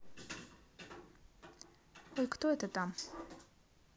ой кто это там